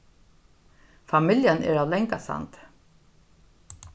familjan er av langasandi